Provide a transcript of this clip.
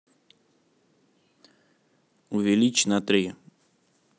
увеличь на три